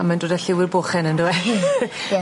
A mae'n dod â lliw i'r boche 'ny on'd yw e? Ie.